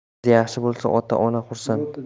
o'g'il qiz yaxshi bo'lsa ota ona xursand